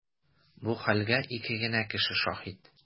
Бу хәлгә ике генә кеше шаһит.